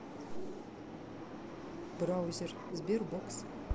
браузер sberbox